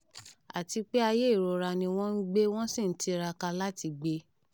Àti pé ayé ìrora ni wọ́n ń gbé, wọ́n sì ń tiraka láti gbé.